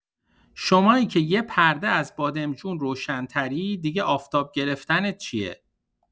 شمایی که یه پرده از بادمجون روشن‌تری دیگه آفتاب گرفتنت چیه؟